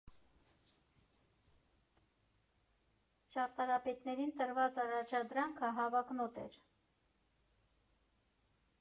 Ճարտարապետներին տրված առաջադրանքը հավակնոտ էր.